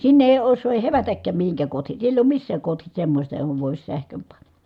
sinne ei osaa ei hevätäkään mihinkään kohti siellä ei ole missään kohti semmoista johon voisi sähkön panna